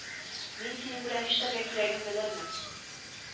Мин синең белән нишләргә кирәген белермен